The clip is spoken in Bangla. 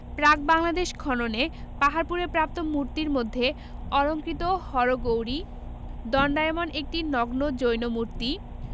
প্রাক বাংলাদেশ খননে পাহাড়পুরে প্রাপ্ত মূর্তির মধ্যে অলঙ্কৃত হরগৌরী দন্ডায়মান একটি নগ্ন জৈন মূর্তি